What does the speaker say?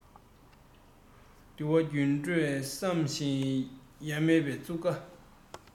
དུ བ རྒྱུན གྲོགས བསམ ཞིང ཡ མེད ཀྱི ཚུགས ཀ